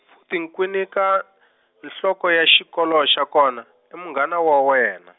futhi Nkwinika, nhloko ya xikolo xa kona, i munghana wa wena.